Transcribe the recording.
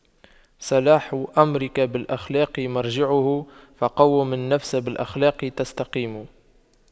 صلاح أمرك بالأخلاق مرجعه فَقَوِّم النفس بالأخلاق تستقم